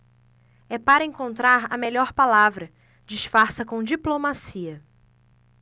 é para encontrar a melhor palavra disfarça com diplomacia